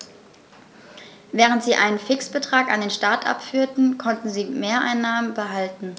Während sie einen Fixbetrag an den Staat abführten, konnten sie Mehreinnahmen behalten.